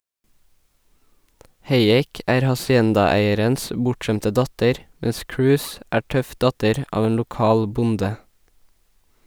Hayek er haciendaeierens bortskjemte datter, mens Cruz er tøff datter av en lokal bonde.